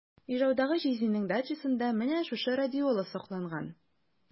Ижаудагы җизнинең дачасында менә шушы радиола сакланган.